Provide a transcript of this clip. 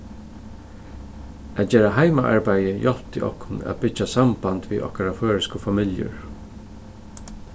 at gera heimaarbeiði hjálpti okkum at byggja samband við okkara føroysku familjur